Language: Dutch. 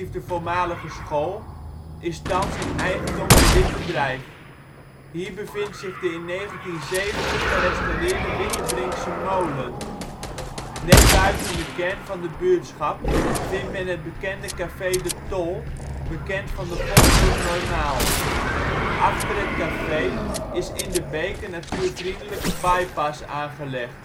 de voormalige school, is thans in eigendom bij dit bedrijf. Hier bevindt zich de in 1970 gerestaureerde Wittebrinkse Molen. Net buiten de kern van de buurtschap vindt men het bekende café De Tol (bekend van de popgroep Normaal). Achter het café is in de beek een natuurvriendelijke by-pass aangelegd